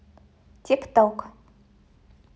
titok